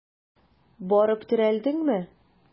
Барып терәлдеңме?